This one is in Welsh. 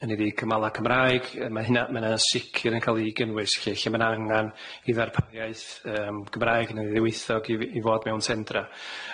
hynny ydi cymala Cymraeg yy ma' hynna ma' na sicr yn ca'l ei gynnwys lly lle ma' na angan i ddarpariaeth yym Cymraeg yn y ddiweithog i fi- i fod mewn tendra.